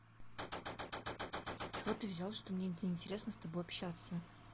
чего ты взял что мне неинтересно с тобой общаться